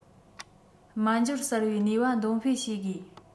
སྨྱན སྦྱོར གསར པའི ནུས པ འདོན སྤེལ བྱ དགོས